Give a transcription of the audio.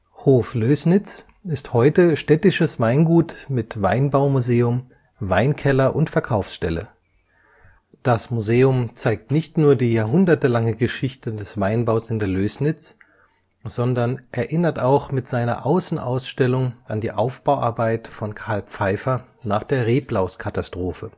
Hoflößnitz ist heute städtisches Weingut mit Weinbaumuseum, Weinkeller und Verkaufsstelle. Das Museum zeigt nicht nur die jahrhundertelange Geschichte des Weinbaus in der Lößnitz, sondern erinnert auch mit seiner Außenausstellung an die Aufbauarbeit von Carl Pfeiffer nach der Reblauskatastrophe